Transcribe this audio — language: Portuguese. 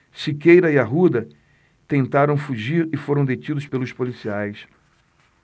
siqueira e arruda tentaram fugir e foram detidos pelos policiais